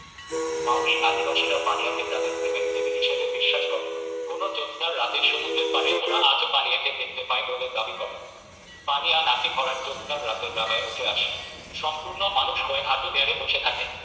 Maori আদিবাসীরা পানিয়াকে তাদের প্রেমের দেবী হিসেবে বিশ্বাস করে কোনো জ্যোৎস্নার রাতে সমুদ্রের পাড়ে ওরা আজও পানিয়াকে দেখতে পায় বলে দাবি করে পানিয়া নাকি ভরাট জ্যোৎস্নার রাতে ডাঙায় উঠে আসে সম্পূর্ণ মানুষ হয়ে হাঁটু গেড়ে বসে থাকে